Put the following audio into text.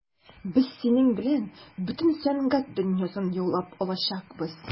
Без синең белән бөтен сәнгать дөньясын яулап алачакбыз.